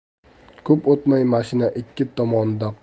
ko'p o'tmay mashina ikki tomonida